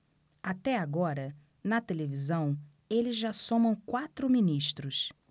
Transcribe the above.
até agora na televisão eles já somam quatro ministros